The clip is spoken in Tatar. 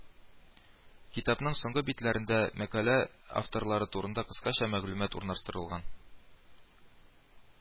Китапның соңгы битләрендә мәкалә авторлары турында кыскача мәгълүмат урнаштырылган